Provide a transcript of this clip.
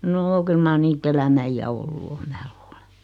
no kyllä mar niitä elämän iän ollut on minä luulen